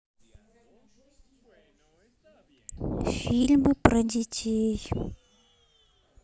фильмы про детей